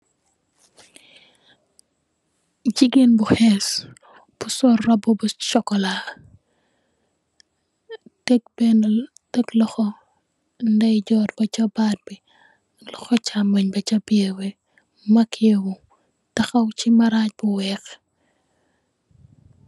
Gigain bu Hess bu sol robu bu sokola tek bena tek loho Ndey jorr basah bat bi loho chamunj ba sah birr wu makeyewu tahaw sey marag bu weih.